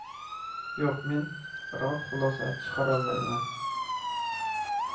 yo'q men biror xulosa chiqarolmayman